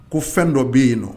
Ko fɛn dɔ bɛ yen nɔ